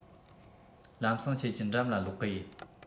ལམ སེང ཁྱེད ཀྱི འགྲམ ལ ལོག གི ཡིན